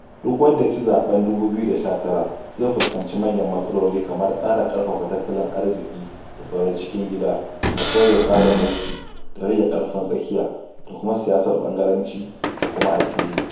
Duk wanda yaci zaɓen 2019 zai fuskance manyan matsaloli kamar ƙara ƙarfafa tattalin arziƙi da tsaron cikin gida da sauya tsarin mulki da rage ƙarfin tsakiya da kuma siyasar ɓangaranci da kuma addini.